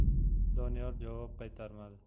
doniyor javob qaytarmadi